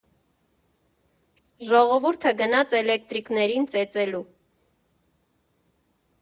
Ժողովուրդը գնաց էլեկտրիկներին ծեծելու։